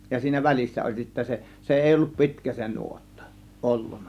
ja siinä välissä oli sitten se se ei ollut pitkä se nuotta ollut